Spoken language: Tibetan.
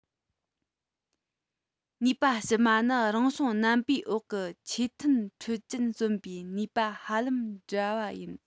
ནུས པ ཕྱི མ ནི རང བྱུང རྣམ པའི འོག གི ཆེས མཐུན འཕྲོད ཅན གསོན པའི ནུས པ དང ཧ ལམ འདྲ བ ཡིན